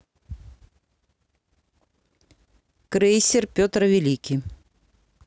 крейсер петр великий